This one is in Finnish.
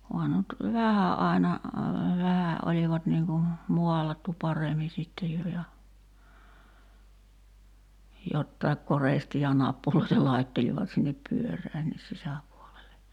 onhan ne nyt vähän aina vähän olivat niin kuin maalattu paremmin sitten jo ja jotakin koristetta ja nappuloita laittelivat sinne pyöränkin sisäpuolelle